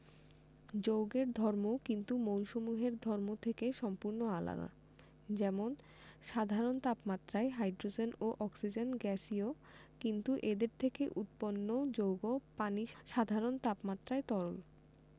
যৌগের ধর্ম কিন্তু মৌলসমূহের ধর্ম থেকে সম্পূর্ণ আলাদা যেমন সাধারণ তাপমাত্রায় হাইড্রোজেন ও অক্সিজেন গ্যাসীয় কিন্তু এদের থেকে উৎপন্ন যৌগ পানি সাধারণ তাপমাত্রায় তরল